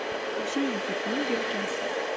o'sha yigitning yelkasi